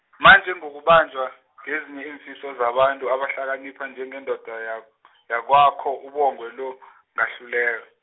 manje ngokubanjwa ngezinye iimfiso zabantu abahlakanipha njengendoda ya- yakwakho uBongwe lo , ngahlule-.